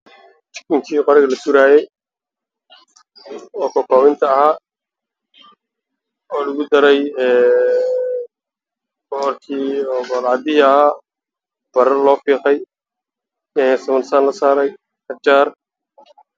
Waa saxan ay saran tahay qudaar